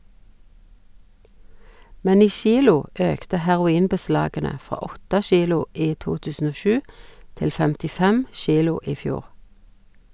Men i kilo økte heroinbeslagene fra 8 kilo i 2007 til 55 kilo i fjor.